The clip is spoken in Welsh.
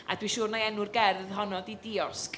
A dwi'n siwr na enw'r gerdd honno ydi diosg.